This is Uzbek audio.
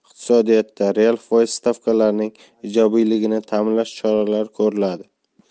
iqtisodiyotda real foiz stavkalarining ijobiyligini ta'minlash choralari ko'riladi